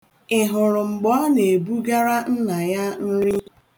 Ị hụrụ mgbe ọ na-ebugara nna ya nri?